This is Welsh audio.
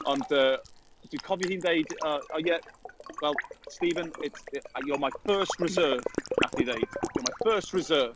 Ond yy, dwi'n cofio hi'n deud, uh uh yeah, well Stephen, it's, you're my first reserve, wnaeth hi ddeud. You're my first reserve.